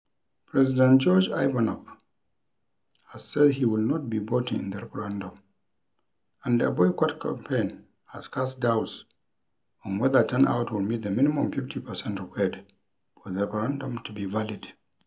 President Gjorge Ivanov has said he will not be voting in the referendum and a boycott campaign has cast doubts on whether turnout will meet the minimum 50 percent required for the referendum to be valid.